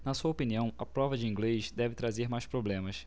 na sua opinião a prova de inglês deve trazer mais problemas